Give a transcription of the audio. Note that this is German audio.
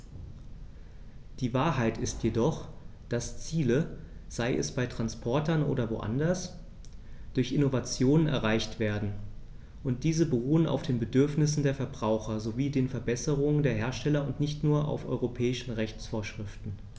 Die Wahrheit ist jedoch, dass Ziele, sei es bei Transportern oder woanders, durch Innovationen erreicht werden, und diese beruhen auf den Bedürfnissen der Verbraucher sowie den Verbesserungen der Hersteller und nicht nur auf europäischen Rechtsvorschriften.